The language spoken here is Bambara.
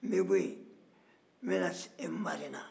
n bɛ bɔ yen n bɛ na marena